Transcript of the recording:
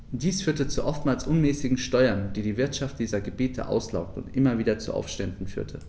Dies führte zu oftmals unmäßigen Steuern, die die Wirtschaft dieser Gebiete auslaugte und immer wieder zu Aufständen führte.